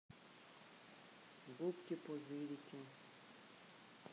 губки пузырики